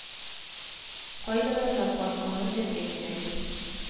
Кайда да закон, аны үтәргә кирәк